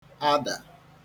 adà